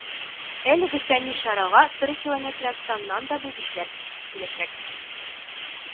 Әлеге фәнни чарага Төрекилометрәнстаннан да белгечләр киләчәк